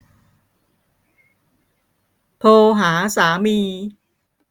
โทรหาสามี